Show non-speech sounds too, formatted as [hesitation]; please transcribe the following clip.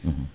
[hesitation] [hesitation]